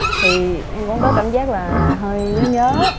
thì em cũng có cảm giác là hơi nhớ nhớ